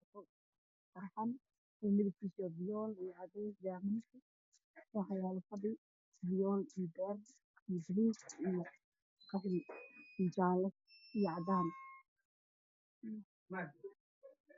Waa saxan midabkiisu uu yahay fiyool, cadeys meeshaan waxaa yaalo fadhi fiyool iyo beer ah, gaduud iyo qaxwi, jaale iyo cadaan.